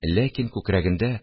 Ләкин күкрәгендә